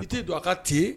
I tɛ don a ka ten!